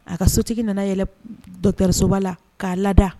A ka sotigi nana yɛlɛ dɔsoba la k'a lada